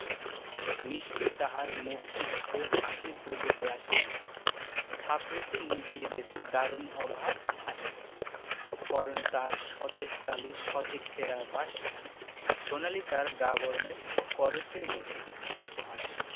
মিষ্টি তাহার মুখটি হতে হাসির প্রদীপ রাশি থাপড়েতে নিবিয়ে দেছে দারুণ অভাব আসি পরনে তার শতেক তালির শতেক ছেঁড়া বাস সোনালি তার গা বরণের করছে উপহাস